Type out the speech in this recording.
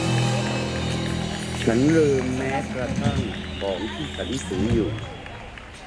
ฉันลืมแม้กระทั่งของที่ฉันถืออยู่